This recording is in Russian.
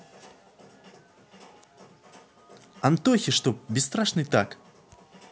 антохи чтоб бесстрашный так